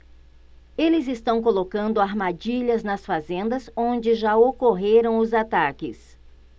eles estão colocando armadilhas nas fazendas onde já ocorreram os ataques